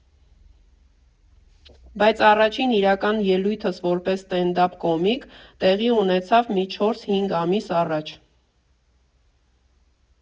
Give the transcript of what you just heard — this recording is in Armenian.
Բայց առաջին իրական ելույթս որպես ստենդափ կոմիկ տեղի ունեցավ մի չորս֊հինգ ամիս առաջ։